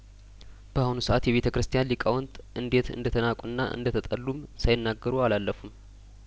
በአሁኑ ሰአት የቤተ ክርስቲያን ሊቃውንት እንዴት እንደተናቁና እንደተጠሉም ሳይናገሩ አላለፉም